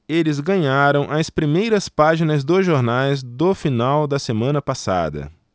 eles ganharam as primeiras páginas dos jornais do final da semana passada